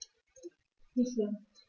Sicher.